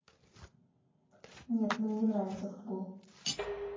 нет мне не нравится футбол